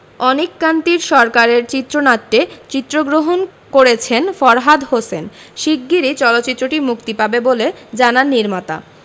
অনিক কান্তি সরকারের চিত্রনাট্যে চিত্রগ্রহণ করেছেন ফরহাদ হোসেন শিগগিরই চলচ্চিত্রটি মুক্তি পাবে বলে জানান নির্মাতা